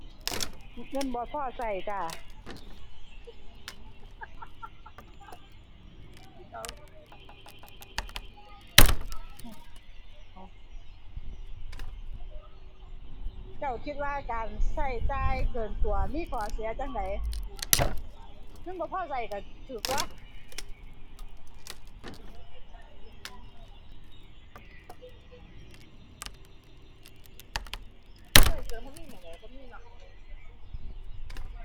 เงินบ่พอใช้จ้า เอ๋า เจ้าคิดว่าการใช้จ่ายเกินตัวมีข้อเสียจั่งใด มันบ่พอใช้ใช้ใช้ตั่ว